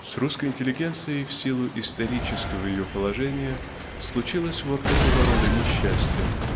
С русской интеллигенцией в силу исторического ее положения случилось вот какого рода несчастье